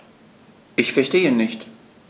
Ich verstehe nicht.